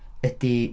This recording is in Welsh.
Ydi.